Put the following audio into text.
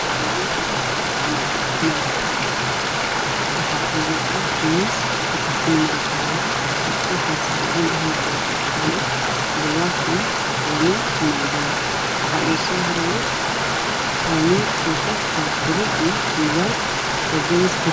Waa hool waxaa fadhiya wiilal iyo gabdha waxaa dhex yaalo miis